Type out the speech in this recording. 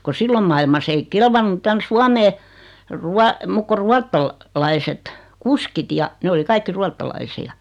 kun silloin maailmassa ei kelvannut tänne Suomeen - muut kuin - ruotsalaiset kuskit ja ne oli kaikki ruotsalaisia